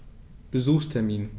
Besuchstermin